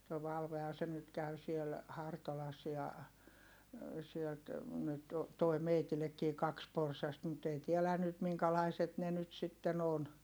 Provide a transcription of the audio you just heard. tuo Valvehan se nyt käy siellä Hartolassa ja sieltä nyt tuo minullekin kaksi porsasta mutta ei tiedä nyt minkälaiset ne nyt sitten on